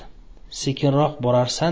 sekinroq borarsan